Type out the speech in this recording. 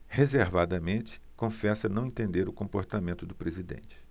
reservadamente confessa não entender o comportamento do presidente